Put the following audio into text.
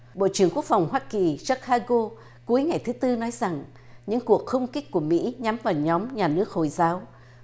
bộ trưởng quốc phòng hoa kỳ cha ca gô cuối ngày thứ tư nói rằng những cuộc không kích của mỹ nhắm vào nhóm nhà nước hồi giáo